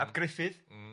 ap Gruffydd... Mm...